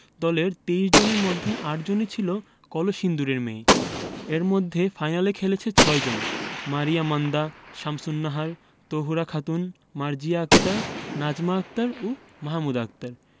দলের ২৩ জনের মধ্যে ৮ জনই ছিল কলসিন্দুরের মেয়ে এর মধ্যে ফাইনালে খেলেছে ৬ জন মারিয়া মান্দা শামসুন্নাহার তহুরা খাতুন মার্জিয়া আক্তার নাজমা আক্তার ও মাহমুদা আক্তার